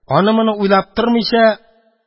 Аны-моны уйлап тормыйча: